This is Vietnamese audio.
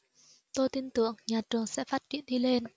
tôi tin tưởng nhà trường sẽ phát triển đi lên